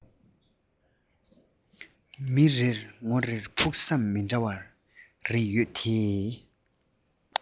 མི རེ ངོ རེར ཕུགས བསམ མི འདྲ བ རེ ཡོད དེ